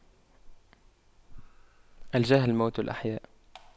الجهل موت الأحياء